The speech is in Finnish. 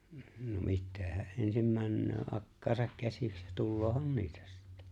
no mitä hän ensin menee akkaansa käsiksi tuleehan niitä sitten